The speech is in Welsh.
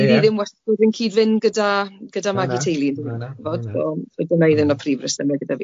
ddim wastod yn cyd-fynd gyda gyda magu teulu chi'bod... Na na na na... so dyne o'dd un o'r prif resyme gyda fi.